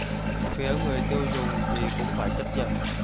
phía người tiêu dùng thì cũng phải chấp nhận